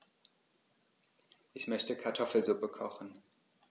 Ich möchte Kartoffelsuppe kochen.